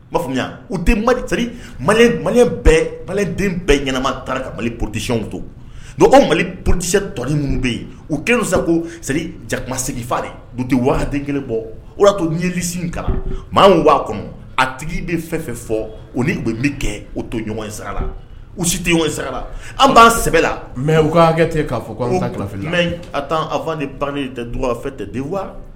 N b'a faamuya uden bɛɛ ɲɛnama taara ka mali porotesiyw to mali porotesise tɔ ninnu bɛ yen u kɛlensa ko seli jakumaseginfa de u tɛ wagaden kelen bɔ o' to ɲɛlisi kalan maa waa kɔnɔ a tigi bɛ fɛn fɛ fɔ u ni bɛ n bɛ kɛ o to ɲɔgɔn sala u si tɛ ɲɔgɔn sala an b'an sɛbɛ la mɛ u'kɛ tɛ k'a fɔ mɛ a fa ba tɛ du fɛ tɛ wa